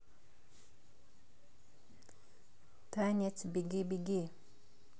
танец беги беги